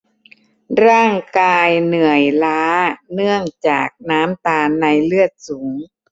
ร่างกายเหนื่อยล้าเนื่องจากน้ำตาลในเลือดสูง